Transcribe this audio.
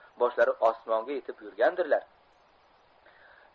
boshlari osmonga yetib yurgandirlar